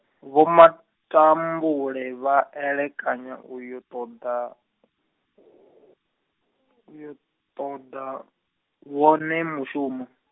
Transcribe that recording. Vho Matambule vha elekanya uyo ṱoḓa, uyo ṱoḓa, wone mushumo.